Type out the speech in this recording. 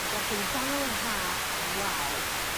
ond erbyn ganol yr ha waw.